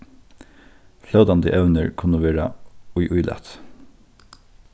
flótandi evnir kunnu vera í ílati